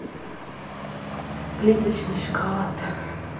плиточный шоколад